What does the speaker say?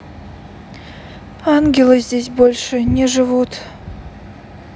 ангелы здесь больше не живут